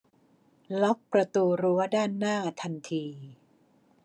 ล็อกประตู้รั้วด้านหน้าทันที